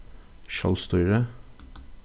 sjálvstýri